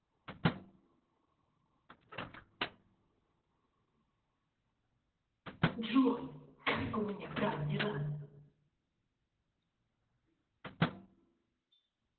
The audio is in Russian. джой как у меня брат дела